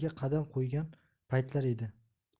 yilga qadam qo'ygan paytlar edi